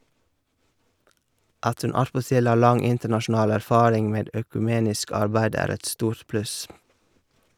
At hun attpåtil har lang internasjonal erfaring med økumenisk arbeid er et stort pluss.